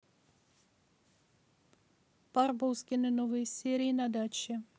барбоскины новые серии на даче